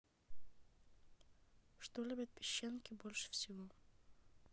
что любят песчанки больше всего